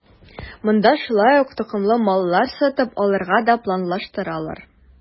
Монда шулай ук токымлы маллар сатып алырга да планлаштыралар.